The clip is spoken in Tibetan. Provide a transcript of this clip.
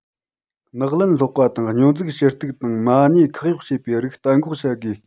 གནག ལན སློག པ དང སྙོན འཛུགས ཞུ གཏུག དང མ ཉེས ཁག གཡོགས བྱེད པའི རིགས གཏན འགོག བྱ དགོས